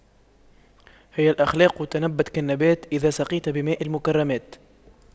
هي الأخلاق تنبت كالنبات إذا سقيت بماء المكرمات